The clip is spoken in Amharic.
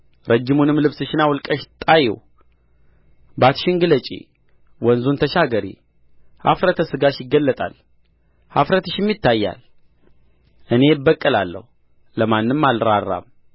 ረጅሙንም ልብስሽን አውልቀሽ ጣዪው ባትሽን ግለጪ ወንዙን ተሻገሪ ኀፍረተ ሥጋሽ ይገለጣል እፍረትሽም ይታያል እኔ እበቀላለሁ ለማንም አልራራም